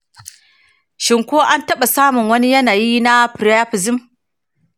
shin ko an taɓa samun wani yanayi na priapism?